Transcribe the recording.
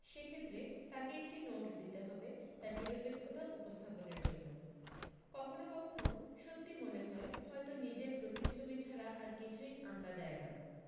সেক্ষেত্রে তাকে একটি নোট দিতে হবে তার নিরপেক্ষতা উপস্থাপনের জন্য কখনো কখনো সত্যি মনে হয় হয়তো নিজের প্রতিচ্ছ্ববি ছাড়া আর কিছুই আঁকা যায় না